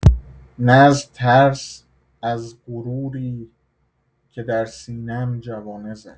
نه از ترس، از غروری که در سینه‌ام جوانه زد.